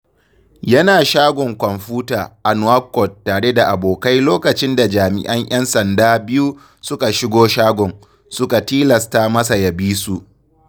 Yana shagon kwamfuta a Nouakchott tare da abokai lokacin da jami'an 'yan sanda biyu suka shigo shagon, suka tilasta masa ya bi su.